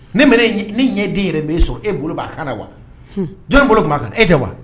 Ne ne ɲɛ den yɛrɛ b' so e bolo'a kan na wa jɔn bolo tun kan e tɛ wa